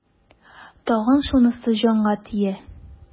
Тагын шунысы җанга тия.